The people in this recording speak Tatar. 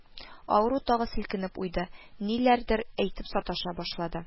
Авыру тагы селкенеп уйды, ниләрдер әйтеп саташа башлады